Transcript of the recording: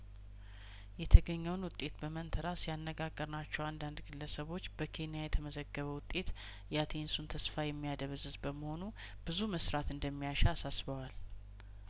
የተገኘውን ውጤት በመንተራስ ያነጋገርናቸው አንዳንድ ግለሰቦች በኬንያ የተመዘገበው ውጤት የአቴንሱን ተስፋ የሚያደበዝዝ በመሆኑ ብዙ መስራት እንደሚያሻ አሳስበዋል